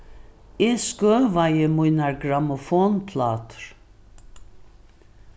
eg skøvaði mínar grammofonplátur